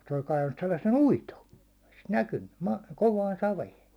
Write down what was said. se oli kaivanut sellaisen uiton ei sitä näkynyt - kovaan saveen